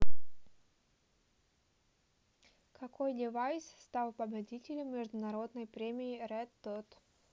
какой девайс стал победителем международной премии red dot